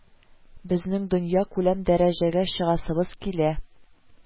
Безнең дөньякүлəм дəрəҗəгə чыгасыбыз килə